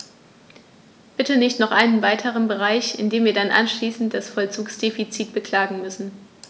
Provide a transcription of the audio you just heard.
Bitte nicht noch einen weiteren Bereich, in dem wir dann anschließend das Vollzugsdefizit beklagen müssen.